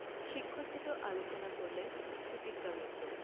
শিক্ষকোচিত আলোচনা করলেন সুচিত্রা মিত্র